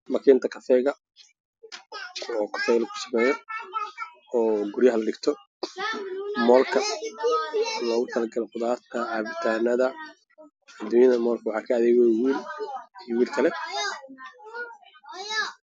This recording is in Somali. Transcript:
Waa burjiko midabkeedu yahay madow